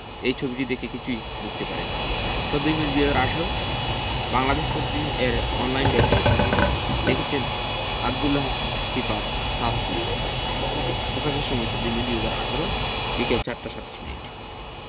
এই ছবিটি দেখে কিছুই বুঝতে পারেননি ১৪মে ২০১৮ বাংলাদেশ প্রতিদিন এর অনলাইন ডেক্স হতে সংগৃহীত লিখেছেনঃ আব্দুল্লাহ সিফাত তাফসীর পকাশের সময় ১৪মে ২০১৮ বিকেল ৪ টা ৩৭ মিনিট